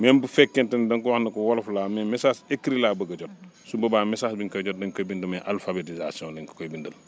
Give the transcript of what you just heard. même bu fekkente ni da nga ko wax ne ko wolof laa mais message écrit laa bëgg a jot su boobaa message da nga koy jot da nga koy bind mais alphabétisation lañ ko koy bindal